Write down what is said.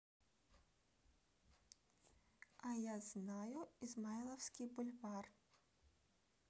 а я знаю измайловский бульвар